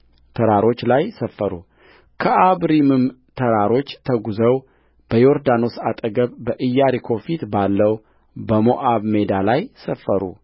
ተራሮች ላይ ሰፈሩከዓብሪምም ተራሮች ተጕዘው በዮርዳኖስ አጠገብ በኢያሪኮ ፊት ባለው በሞዓብ ሜዳ ላይ ሰፈሩ